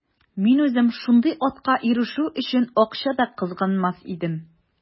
Мин үзем шундый атка ирешү өчен акча да кызганмас идем.